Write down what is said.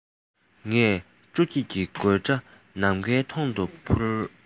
ངས སྤྲོ སྐྱིད ཀྱི དགོད སྒྲ ནམ མཁའི མཐོངས སུ སྤུར